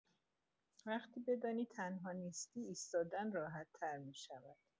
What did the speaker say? وقتی بدانی تنها نیستی، ایستادن راحت‌تر می‌شود.